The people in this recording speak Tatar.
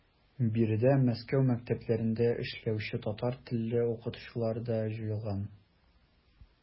Биредә Мәскәү мәктәпләрендә эшләүче татар телле укытучылар да җыелган.